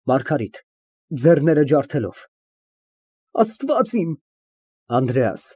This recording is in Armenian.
ՄԱՐԳԱՐԻՏ֊ (Ձեռները ջարդելով)։ Աստված իմ… ԱՆԴՐԵԱՍ ֊